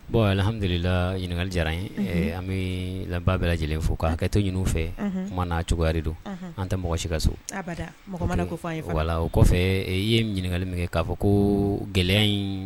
Bon alihadulila ɲininkali diyara an ye, ɛ an bɛ lamɛnba bɛɛ lajɛlen fo ka hakɛto ɲini fɛ, unhun, kuma n'a cogoya de don, an tɛ mɔgɔ si ka so, abada mɔgɔ ma na kof'an ye fana, o kɔfɛ i ye ɲininkali min kɛ k'a fɔ ko gɛlɛya in